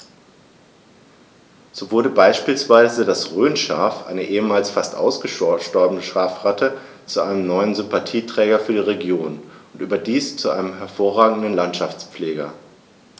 So wurde beispielsweise das Rhönschaf, eine ehemals fast ausgestorbene Schafrasse, zu einem neuen Sympathieträger für die Region – und überdies zu einem hervorragenden Landschaftspfleger.